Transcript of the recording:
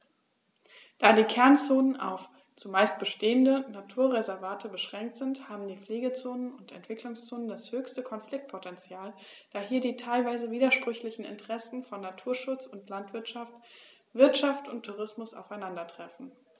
Da die Kernzonen auf – zumeist bestehende – Naturwaldreservate beschränkt sind, haben die Pflegezonen und Entwicklungszonen das höchste Konfliktpotential, da hier die teilweise widersprüchlichen Interessen von Naturschutz und Landwirtschaft, Wirtschaft und Tourismus aufeinandertreffen.